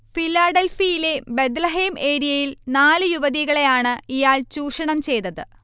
ഫിലാഡൽഫിയിലെ Bethlehem ഏരിയയിൽ നാലു യുവതികളെയാണ് ഇയാൾ ചൂഷണം ചെയ്തത്